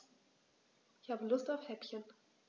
Ich habe Lust auf Häppchen.